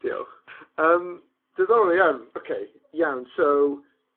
Diolch. Yym diddorol iawn ok iawn, so,